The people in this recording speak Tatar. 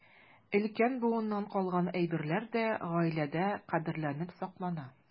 Өлкән буыннан калган әйберләр дә гаиләдә кадерләп саклана.